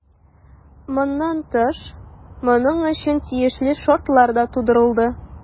Моннан тыш, моның өчен тиешле шартлар да тудырылды.